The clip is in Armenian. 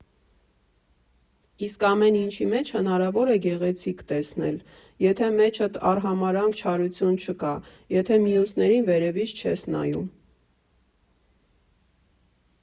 Իսկ ամեն ինչի մեջ հնարավոր է գեղեցիկ տեսնել, եթե մեջդ արհամարհանք, չարություն չկա, եթե մյուսներին վերևից չես նայում։